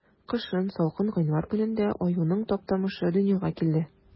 Кышын, салкын гыйнвар көнендә, аюның Таптамышы дөньяга килде.